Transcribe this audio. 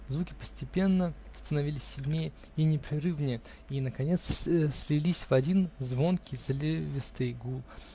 Звуки постепенно становились сильнее и непрерывнее и наконец слились в один звонкий, заливистый гул.